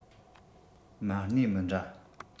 མ གནས མི འདྲ